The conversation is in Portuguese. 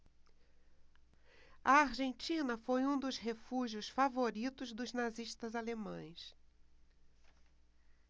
a argentina foi um dos refúgios favoritos dos nazistas alemães